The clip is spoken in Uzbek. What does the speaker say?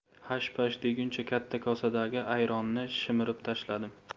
hash pash deguncha katta kosadagi ayronni shimirib tashladim